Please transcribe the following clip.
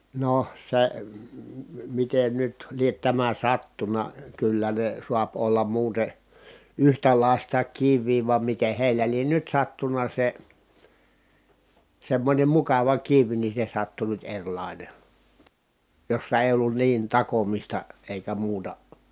no se miten nyt lie tämä sattunut kyllä ne saa olla muuten yhtäläistä kiveä vaan miten heillä lie nyt sattunut se semmoinen mukava kivi niin se sattui nyt erilainen jossa ei ollut niin takomista eikä muuta